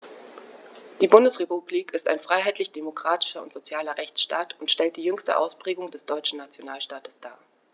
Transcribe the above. Die Bundesrepublik ist ein freiheitlich-demokratischer und sozialer Rechtsstaat und stellt die jüngste Ausprägung des deutschen Nationalstaates dar.